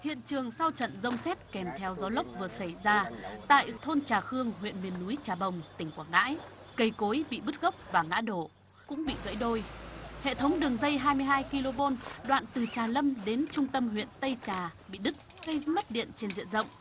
hiện trường sau trận giông sét kèm theo gió lốc vừa xảy ra tại thôn trà khương huyện miền núi trà bồng tỉnh quảng ngãi cây cối bị bứt gốc và ngã đổ cũng bị gãy đôi hệ thống đường dây hai mươi hai ki lô vôn đoạn từ trà lâm đến trung tâm huyện tây trà bị đứt gây mất điện trên diện rộng